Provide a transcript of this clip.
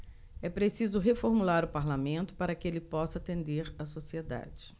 é preciso reformular o parlamento para que ele possa atender a sociedade